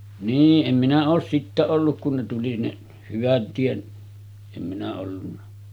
niin en minä ole sitten ollut kun ne tuli ne hyvät tiet en minä ollut